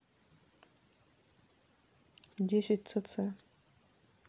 десять цц